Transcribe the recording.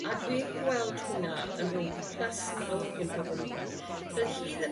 A dw i'n gweld hwnna yn r'w plus mawr gin pobl ifanc doedd hi ddim